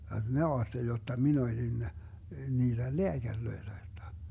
vaikka minä ajattelin jotta minä olin niille lääkäreille vertaa